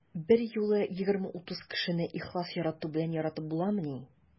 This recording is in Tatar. Берьюлы 20-30 кешене ихлас ярату белән яратып буламыни?